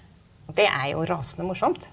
det er jo rasende morsomt.